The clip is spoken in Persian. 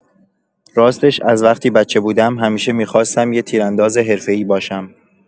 راستش از وقتی بچه بودم، همیشه می‌خواستم یه تیرانداز حرفه‌ای باشم.